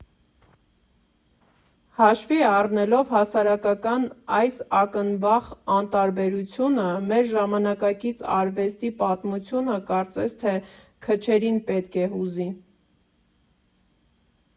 Հաշվի առնելով հասարակական այս ակնբախ անտարբերությունը, մեր Ժամանակակից արվեստի պատմությունը կարծես թե քչերին պետք է հուզի։